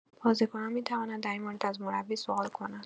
بازیکنان می‌توانند در این مورد از مربی سوال کنند.